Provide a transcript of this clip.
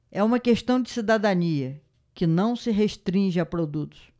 é uma questão de cidadania que não se restringe a produtos